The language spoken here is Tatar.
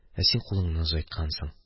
Ә син кулыңны озайткансың.